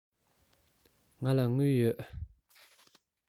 ང ལ དངུལ ཡོད